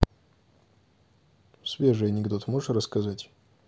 свежий анекдот можешь рассказать